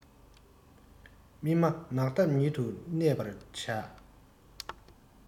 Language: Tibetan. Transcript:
མི སྨྲ ནགས འདབས ཉིད དུ གནས པར བྱ